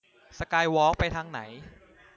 สกายวอล์คไปทางไหน